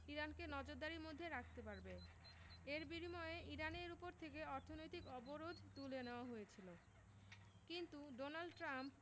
ইরানকে নজরদারির মধ্যে রাখতে পারবে এর বিনিময়ে ইরানের ওপর থেকে অর্থনৈতিক অবরোধ তুলে নেওয়া হয়েছিল কিন্তু ডোনাল্ড ট্রাম্প